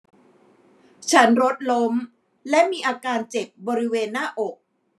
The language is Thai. ฉันรถล้มและมีอาการเจ็บบริเวณหน้าอก